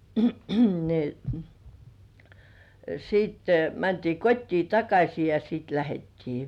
niin sitten mentiin kotiin takaisin ja sitten lähdettiin